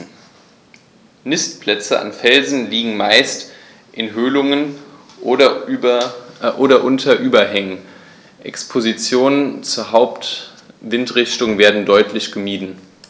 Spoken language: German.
Nistplätze an Felsen liegen meist in Höhlungen oder unter Überhängen, Expositionen zur Hauptwindrichtung werden deutlich gemieden.